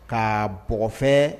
Ka bɔgɔfɛ